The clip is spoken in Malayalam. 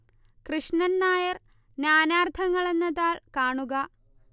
കൃഷ്ണൻ നായർ നാനാർത്ഥങ്ങൾ എന്ന താൾ കാണുക